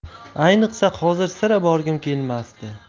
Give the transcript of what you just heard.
ayniqsa hozir sira borgim kelmasdi